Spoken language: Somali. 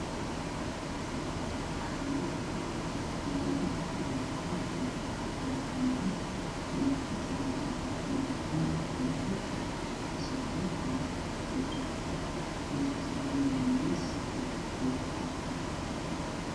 Caano ku jiro biib cadaan ah oo ku sawiran yahay ido, riyo iyo lo